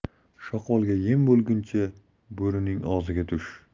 shoqolga yem bo'lguncha bo'rining og'ziga tush